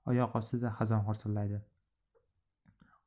oyoq ostida xazon xirsillaydi